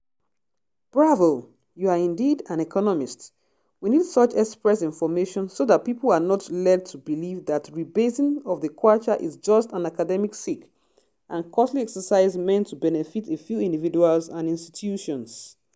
bravo, you are indeed and economist, we need such express information so that people are not lead to believe that rebasing of the Kwacha is just an acamedic & costly exercise meant to benefit a few individuals and institutions.